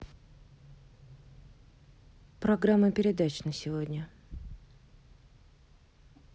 программа передач на сегодня